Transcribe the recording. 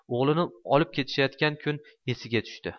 o'g'lini olib ketishayotgan kun esiga tushdi